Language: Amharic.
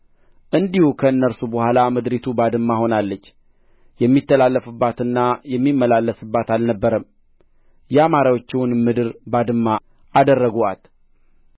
እንዲሁ ከእነርሱ በኋላ ምድሪቱ ባድማ ሆናለች የሚተላለፍባትና የሚመላለስባትም አልነበረም ያማረችውንም ምድር ባድማ አደረጉአት